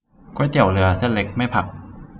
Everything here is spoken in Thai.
ก๋วยเตี๋ยวเรือเส้นเล็กไม่ผัก